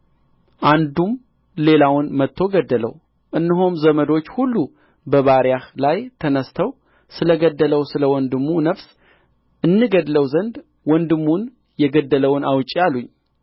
አንዱም ሌላውን መትቶ ገደለው እነሆም ዘመዶች ሁሉ በባሪያህ ላይ ተነሥተው ስለ ገደለው ስለ ወንድሙ ነፍስ እንገድለው ዘንድ ወንድሙን የገደለውን አውጪ አሉኝ